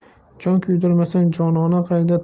jon kuydirmasang jonona qayda